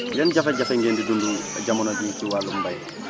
yan jafe-jafe ngeen di dund jamono jii ci wàllum mbay